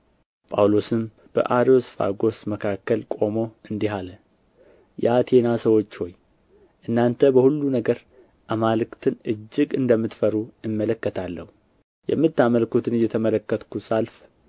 ጳውሎስም በአርዮስፋጎስ መካከል ቆሞ እንዲህ አለ የአቴና ሰዎች ሆይ እናንተ በሁሉ ነገር አማልክትን እጅግ እንደምትፈሩ እመለከታለሁ የምታመልኩትን እየተመለከትሁ ሳልፍ